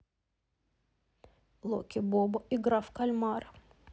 локи бобо игра в кальмара